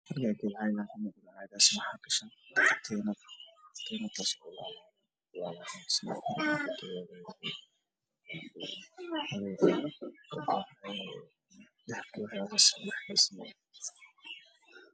Boombalo midabkiisii yahay caddaan waxaa ku jira katiin dahabi